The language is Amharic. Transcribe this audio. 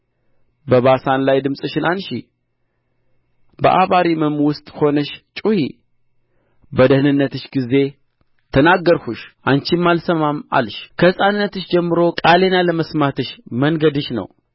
በባሳን ላይ ድምፅሽን አንሺ በዓባሪምም ውስጥ ሆነሽ ጩኺ በደኅንነትሽ ጊዜ ተናገርሁሽ አንቺም አልሰማም አልሽ ከሕፃንነትሽ ጀምሮ ቃሌን አለመስማትሽ መንገድሽ ነው